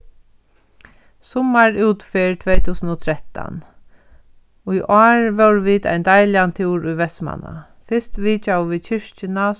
summarútferð tvey túsund og trettan í ár vóru vit ein deiligan túr í vestmanna fyrst vitjaðu vit kirkjuna